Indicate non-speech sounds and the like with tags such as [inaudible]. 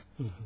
[hesitation] [hesitation]